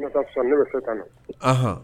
Ne ne ka sɔrɔ ne bɛ so ka na